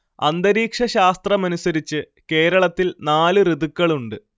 അന്തരീക്ഷ ശാസ്ത്രമനുസരിച്ച് കേരളത്തിൽ നാല് ഋതുക്കളുണ്ട്